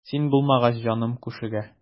Син булмагач җаным күшегә.